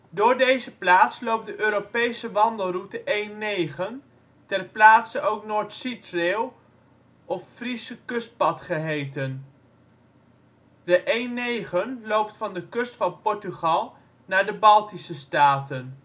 Door deze plaats loopt de Europese wandelroute E9, ter plaatse ook North Sea Trail of Friese Kustpad geheten. De E9 loopt van de kust van Portugal naar de Baltische staten